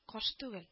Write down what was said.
Каршы түгел